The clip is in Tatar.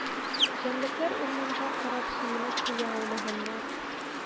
Җәнлекләр урманга карап сөенеп туя алмаганнар.